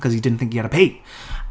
Because he didn't think he had to pay.